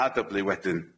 A dyblu wedyn.